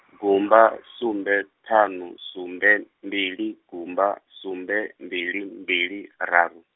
gumba sumbe ṱhanu sumbe mbili gumba sumbe mbili mbili raru.